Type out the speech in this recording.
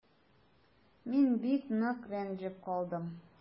Мин бик нык рәнҗеп калдым.